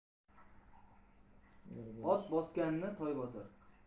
ot bosganni toy bosar